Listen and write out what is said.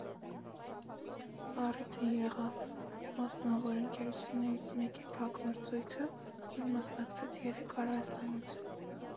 Առիթը եղավ մասնավոր ընկերություններից մեկի փակ մրցույթը, որին մասնակցեց երեք արվեստանոց։